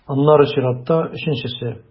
Аннары чиратта - өченчесе.